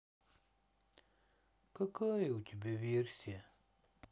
какая у тебя версия